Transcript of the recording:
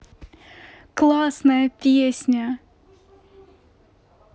классная песня